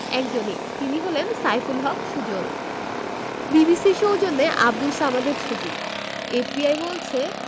একজনই তিনি হলেন সাইফুল হক সুজন বিবিসির সৌজন্যে আবদুল সামাদের ছবি এফবিআই বলছে